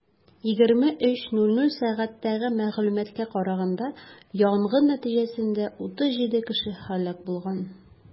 23:00 сәгатьтәге мәгълүматка караганда, янгын нәтиҗәсендә 37 кеше һәлак булган.